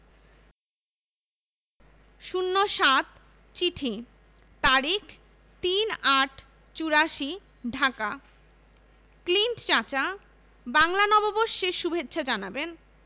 ০৭ চিঠি তারিখ ৩-৮-৮৪ ঢাকা ক্লিন্ট চাচা বাংলা নববর্ষের সুভেচ্ছা জানাবেন